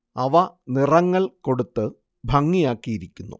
അവ നിറങ്ങൾ കൊടുത്ത് ഭംഗിയാക്കിയിരിക്കുന്നു